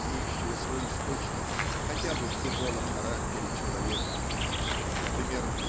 имеющего свой источник хотя бы в тяжелом характере человека например